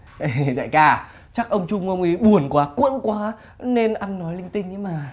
ề hề hề đại ca chắc ông trung ông ý buồn quá quẫn quá nên ăn nói linh tinh ấy mà